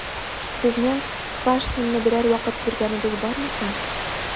Сезнең Квашнинны берәр вакыт күргәнегез бармы соң?